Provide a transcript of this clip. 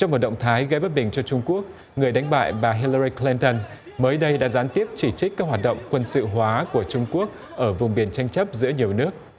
trong một động thái gây bất bình cho trung quốc người đánh bại bà hi lô lo lin tân mới đây đã gián tiếp chỉ trích các hoạt động quân sự hóa của trung quốc ở vùng biển tranh chấp giữa nhiều nước